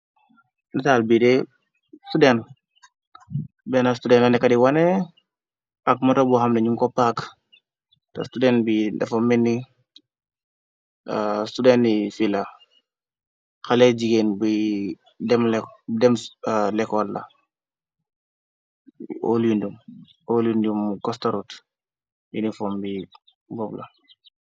Nataal bi te studen benn studen la neka di wane ak moto bu xam la ñum kop paak te studen bi dafa meni studen fi la xale jigeen buy dem lekolla olyndum costarot uniform bi bobla.